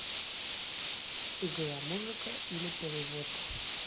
игра музыка или перевод